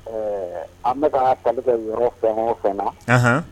Ɛɛ an bɛ ka tali kɛ yɔrɔ fɛn o fɛn na, anhan